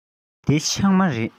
འདི ཕྱགས མ རེད